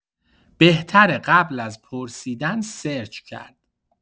بهتره قبل از پرسیدن سرچ کرد.